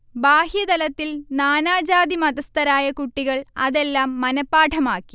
ബാഹ്യതലത്തിൽ നാനാ ജാതി-മതസ്ഥരായ കുട്ടികൾ അതെല്ലാം മനപ്പാഠമാക്കി